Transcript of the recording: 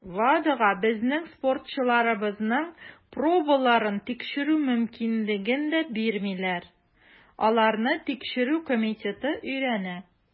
WADAга безнең спортчыларыбызның пробаларын тикшерү мөмкинлеген дә бирмиләр - аларны Тикшерү комитеты өйрәнә.